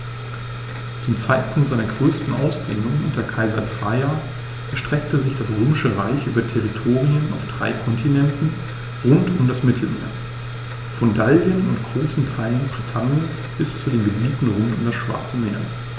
Zum Zeitpunkt seiner größten Ausdehnung unter Kaiser Trajan erstreckte sich das Römische Reich über Territorien auf drei Kontinenten rund um das Mittelmeer: Von Gallien und großen Teilen Britanniens bis zu den Gebieten rund um das Schwarze Meer.